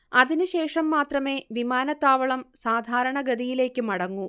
അതിന് ശേഷം മാത്രമേ വിമാനത്താവളം സാധാരണഗതിയിലേക്ക് മടങ്ങൂ